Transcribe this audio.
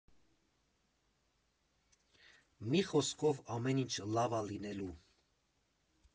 Մի խոսքով, ամեն ինչ լավ ա լինելու։